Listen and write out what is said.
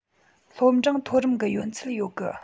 སློབ འབྲིང མཐོ རིམ གི ཡོན ཚད ཡོས གི